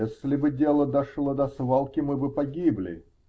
Если бы дело дошло до свалки, мы бы погибли.